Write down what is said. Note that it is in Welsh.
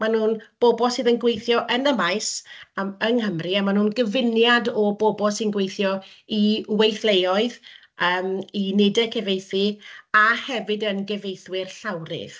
maen nhw'n bobl sydd yn gweithio yn y maes am- yng Nghymru a maen nhw'n gyfuniad o bobl sy'n gweithio i weithleoedd, yym i unedau cyfieithu a hefyd yn gyfieithwyr llawrydd.